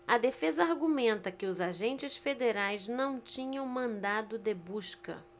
a defesa argumenta que os agentes federais não tinham mandado de busca